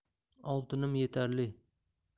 oltinim yetarli